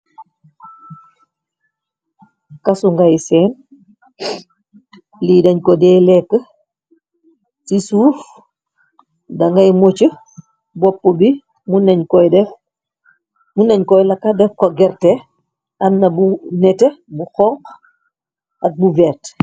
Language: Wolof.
Kasu ngay seen li dañ ko dee lekk ci suuf da ngay mocc bopp bi mu nañ koy laka def ko gerte anna bu nete bu xonx ak bu verta.